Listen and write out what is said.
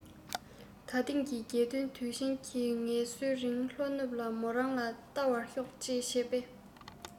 ད ཐེངས ཀྱི རྒྱལ སྟོན དུས ཆེན གྱི ངལ གསོའི རིང ལྷོ ནུབ ལ མོ རང ལ བལྟ བར ཤོག ཅེས བྱས པས